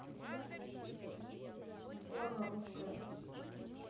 порно русское